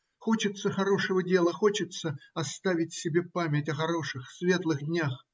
Хочется хорошего дела, хочется оставить себе память о хороших, светлых днях.